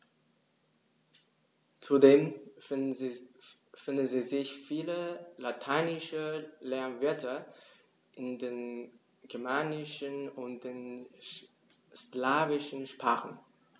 Zudem finden sich viele lateinische Lehnwörter in den germanischen und den slawischen Sprachen.